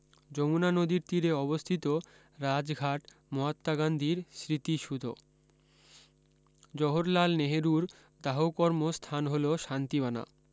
যমুনা নদীর তীরে অবস্থিত রাজ ঘাট মহাত্মাগান্ধীর স্মৃতি সুধ জহরলাল নেহেরুর দাহ কর্ম স্থান হল শান্তিবানা